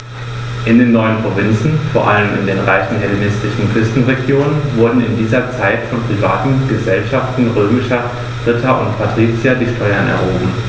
In den neuen Provinzen, vor allem in den reichen hellenistischen Küstenregionen, wurden in dieser Zeit von privaten „Gesellschaften“ römischer Ritter und Patrizier die Steuern erhoben.